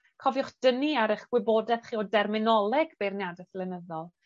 cofiwch dynnu ar 'ych gwybodeth o derminoleg beirniadeth flynyddol,